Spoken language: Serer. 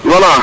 wala